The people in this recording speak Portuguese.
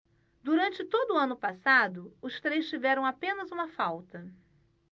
durante todo o ano passado os três tiveram apenas uma falta